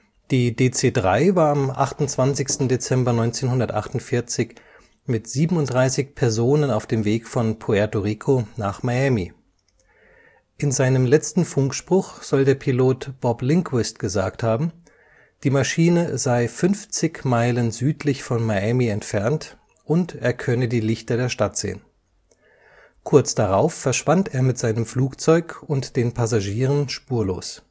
Die DC-3 war am 28. Dezember 1948 mit 37 Personen auf dem Weg von Puerto Rico nach Miami. In seinem letzten Funkspruch soll der Pilot Bob Linquist gesagt haben, die Maschine sei 50 Meilen südlich von Miami entfernt und er könne die Lichter der Stadt sehen. Kurz darauf verschwand er mit seinem Flugzeug und den Passagieren spurlos